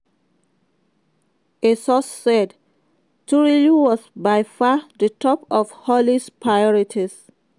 A source said: "Truly was by far the top of Holly's priorities.